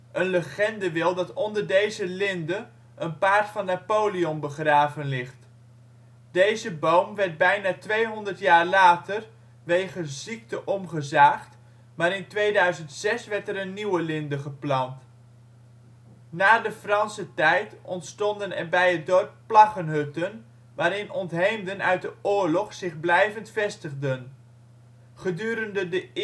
Een legende wil dat onder deze linde een paard van Napoleon begraven ligt. Deze boom werd bijna tweehonderd jaar later wegens ziekte omgezaagd, maar in 2006 werd er een nieuwe linde geplant. Na de Franse tijd ontstonden er bij het dorp plaggenhutten, waarin ontheemden uit de oorlog zich blijvend vestigden. Gedurende de